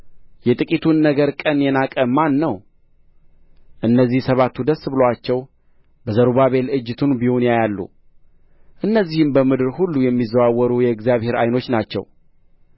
የጥቂቱን ነገር ቀን የናቀ ማን ነው እነዚህ ሰባቱ ደስ ብሎአቸው በዘሩባቤል እጅ ቱንቢውን ያያሉ እነዚህም በምድር ሁሉ የሚዘዋወሩ የእግዚአብሔር ዓይኖች ናቸው